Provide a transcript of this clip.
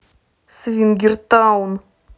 свингер таун